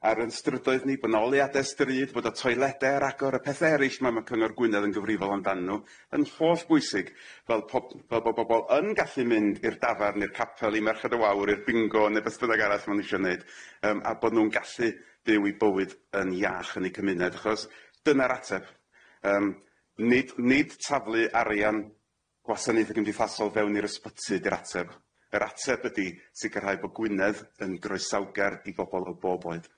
ar y strydoedd ni bo' na oliade stryd bod y toileder agor y pethe eryll ma' ma' cyngor Gwynedd yn gyfrifol amdan nw yn hollbwysig fel pob- fel bo' bobol yn gallu mynd i'r dafarn, i'r capel, i Merched y Wawr, i'r bingo ne' beth bynnag arall ma' n'w isio neud yym a bod nw'n gallu byw i bywyd yn iach yn eu cymuned achos dyna'r ateb yym nid nid taflu arian gwasanaethe cymdeithasol fewn i'r ysbyty di'r ateb yr ateb ydi sicirhau bo' Gwynedd yn groesawgar i bobol o bob oed.